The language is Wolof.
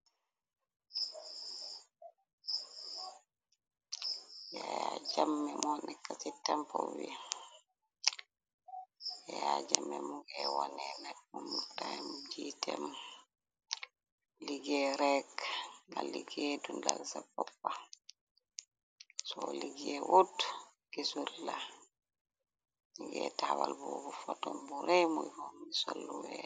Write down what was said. Yaya Jammeh mo nekk ci temp wi Yaya Jammeh wonè nè mum time jitem liggéey rekk nga liggéey dundal za boppa so liggéey wuut gisut la mungi tawal bubu poton bu rey mungi sol lu weeh.